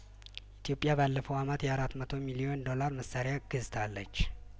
ኢትዮጵያ ባለፈው አመት የአራት መቶ ሚሊዮን ዶላር መሳሪያ ገዝታለች